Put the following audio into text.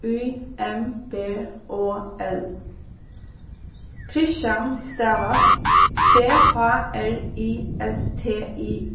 y m b o l christian stavast c h r i s t i